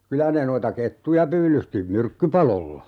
kyllä ne noita kettuja pyydysti myrkkypaloilla